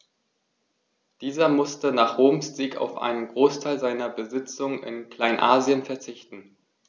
Dieser musste nach Roms Sieg auf einen Großteil seiner Besitzungen in Kleinasien verzichten.